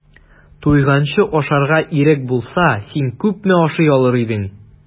Туйганчы ашарга ирек булса, син күпме ашый алыр идең?